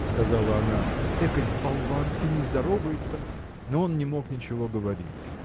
– сказала она, – экой болван: и не здоровается! Но он не мог ничего говорить.